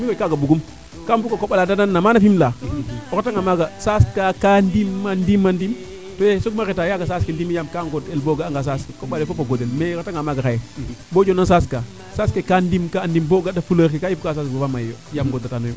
mais kaaga bugum kaa bug a koɓala nan mana Fimela o reta nga maaga saas kaa ka ndima ndima ndim to yee soog ma reta yaaga saas ke ndime yaam ka god el bo ga'anga saas ke koɓale fop a godel mais o reta nga maaga xaye bo jonona saas kaa saas ke ka ndim ka a ndim bo fleur ke ka yip kaa aas ba mayo yo yaam ngod kaano yo